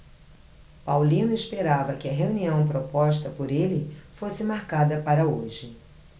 paulino esperava que a reunião proposta por ele fosse marcada para hoje